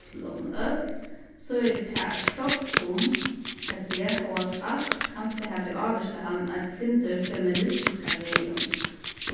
til okum øll so er tað eitt prógv um at eg hóast alt kanska havi ávirkað hann eitt sindur feministiska vegin